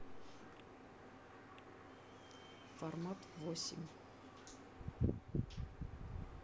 формат в восемь